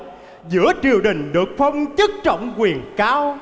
giữa triều đình được phong chức trọng quyền cao